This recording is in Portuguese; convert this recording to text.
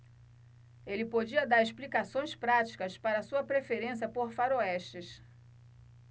ele podia dar explicações práticas para sua preferência por faroestes